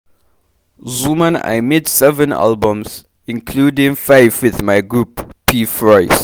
Xuman I made 7 albums, including 5 with my group Pee Froiss.